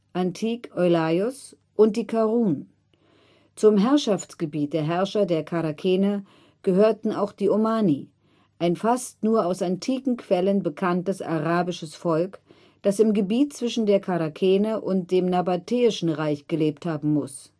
antik: Eulaios) und die Karun. Zum Herrschaftsgebiet der Herrscher der Charakene gehörten auch die Omani, ein fast nur aus antiken Quellen bekanntes arabisches Volk, das im Gebiet zwischen der Charakene und dem Nabatäischen Reich gelebt haben muss